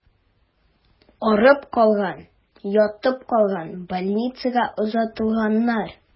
Арып калган, ятып калган, больницага озатылганнар.